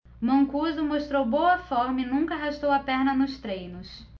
mancuso mostrou boa forma e nunca arrastou a perna nos treinos